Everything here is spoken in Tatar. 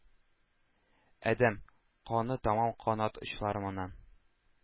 Адәм каны тама канат очларымнан: